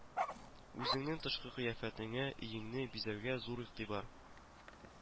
Үзеңнең тышкы кыяфәтеңә, өеңне бизәүгә зур игътибар